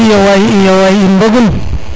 iyo waay in mbogun